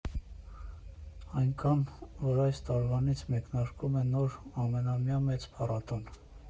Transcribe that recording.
Այնքան, որ այս տարվանից մեկնարկում է նոր՝ ամենամյա մեծ փառատոն։